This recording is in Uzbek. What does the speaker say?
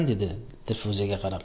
dedi dilfuzaga karab